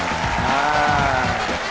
à